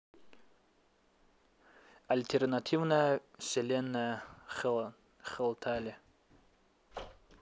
альтернативная вселенная hell tale